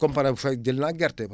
comme par exemple fay jël naa gerte